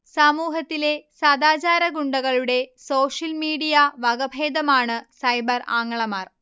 സമൂഹത്തിലെ സദാചാരഗുണ്ടകളുടെ social media വകഭേദമാണ് സൈബർ ആങ്ങളമാർ